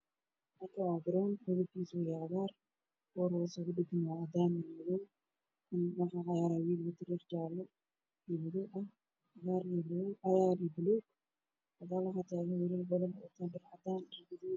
Waa meel garoon ah waxaa i muuqdo wilal banoon ciyaarayaan waxaa ka dambeeya dad farabadan oo daawanaya ciyaarta